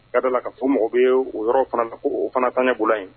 Ka da la ka ko mɔgɔw bɛ ye o yɔrɔ fana tangɛ bolo yen